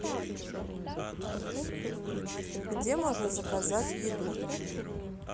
где можно заказать еду